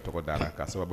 Tɔgɔ da a'a sababu